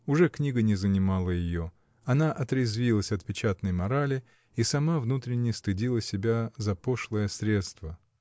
Уже книга не занимала ее: она отрезвилась от печатной морали и сама внутренно стыдила себя за пошлое средство.